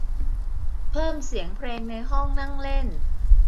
เพิ่มเสียงเพลงในห้องนั่งเล่น